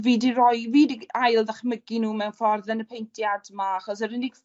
fi 'di roi, fi 'di ail ddachmygu nw mewn ffordd yn y paentiad 'ma 'chos yr unig